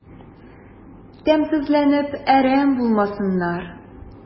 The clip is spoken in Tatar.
Тәмсезләнеп әрәм булмасыннар...